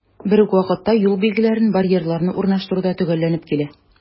Бер үк вакытта, юл билгеләрен, барьерларны урнаштыру да төгәлләнеп килә.